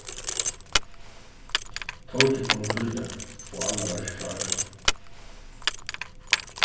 tóki kom ov tíðliga og anna var ikki klár enn